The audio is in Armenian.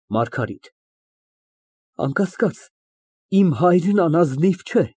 ՄԱՐԳԱՐԻՏ ֊ Անկասկած, իմ հայրն անազնիվ չէ։